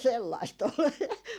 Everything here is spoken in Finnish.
sellaista oli